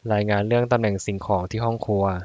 รายงานเรื่องตำแหน่งสิ่งของที่ห้องครัว